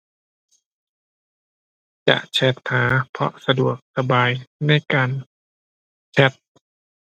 จะแชตหา เพราะสะดวกสบายในการแชต